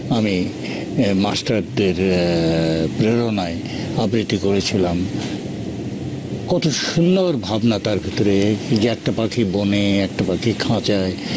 আমি মাস্টারদের প্রেরণায় আবৃত্তি করেছিলাম কত সুন্দর ভাবনা তার ভেতরে যে একটা পাখি বনে একটা পাখি খাঁচায়